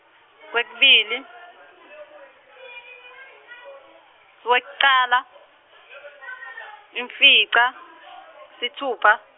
kwesibili, kwekucala, imfica, sitfupha.